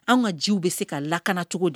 Anw ka ji bɛ se ka lakana cogo di?